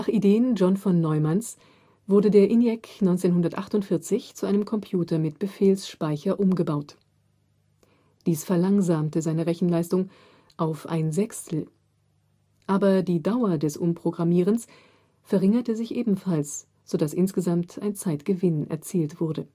Ideen John von Neumanns wurde der ENIAC 1948 zu einem Computer mit Befehlsspeicher umgebaut. Dies verlangsamte seine Rechenleistung auf 1/6, aber die Dauer des Umprogrammierens verringerte sich ebenfalls, sodass insgesamt ein Zeitgewinn erzielt wurde